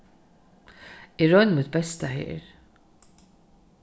eg royni mítt besta her